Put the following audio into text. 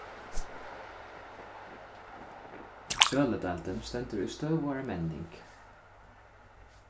søludeildin stendur í støðugari menning